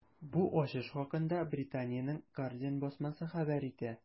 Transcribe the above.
Бу ачыш хакында Британиянең “Гардиан” басмасы хәбәр итә.